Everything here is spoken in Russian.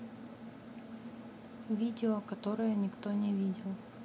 видео которое никто не видел